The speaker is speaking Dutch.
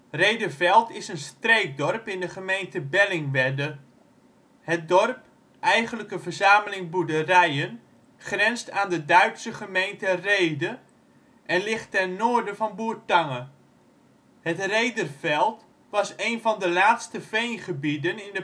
Rhederveld is een streekdorp in de gemeente Bellingwedde. Het dorp, eigenlijk een verzameling boerderijen, grenst aan de Duitse gemeente Rhede en ligt ten noorden van Bourtange. Het Rhederveld was een van de laatste veengebieden in de provincie Groningen